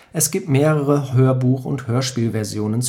Es gibt mehrere Hörbuch - und Hörspielversionen